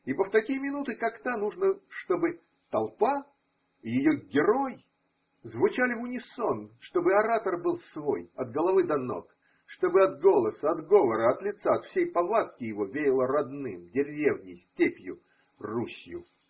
Ибо в такие минуты, как та, нужно, чтобы толпа и ее герой звучали в унисон, чтобы оратор был свой от головы до ног, чтобы от голоса, от говора, от лица, от всей повадки его веяло родным – деревней, степью. Русью.